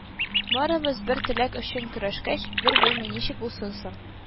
Барыбыз да бер теләк өчен көрәшкәч, бер булмый, ничек булсын соң